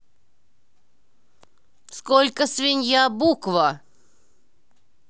сколько свинья буква